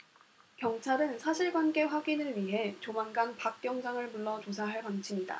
경찰은 사실관계 확인을 위해 조만간 박 경장을 불러 조사할 방침이다